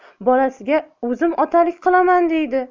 bolasiga o'zim otalik qilaman deydi